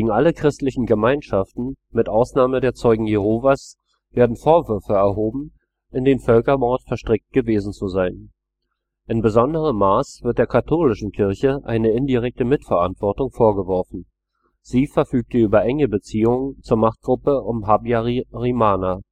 alle christlichen Gemeinschaften mit Ausnahme der Zeugen Jehovas werden Vorwürfe erhoben, in den Völkermord verstrickt gewesen zu sein. In besonderem Maß wird der katholischen Kirche eine indirekte Mitverantwortung vorgeworfen. Sie verfügte über enge Beziehungen zur Machtgruppe um Habyarimana